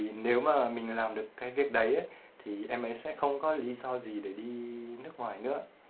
nếu mình làm được việc đấy em ấy sẽ không có lý do gì để đi nước ngoài nữa